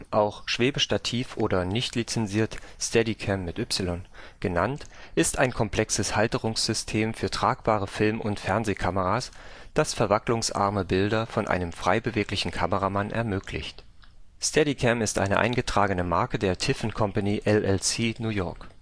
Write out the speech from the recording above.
auch Schwebestativ oder (nicht-lizenziert) Steadycam genannt, ist ein komplexes Halterungssystem für tragbare Film - und Fernsehkameras, das verwacklungsarme Bilder von einem frei beweglichen Kameramann ermöglicht. Steadicam ist eine eingetragene Marke der Tiffen Company, LLC, New York